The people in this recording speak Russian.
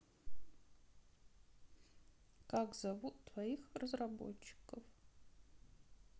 как зовут твоих разработчиков